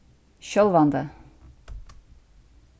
sjálvandi